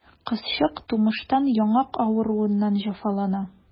Кызчык тумыштан яңак авыруыннан җәфалана.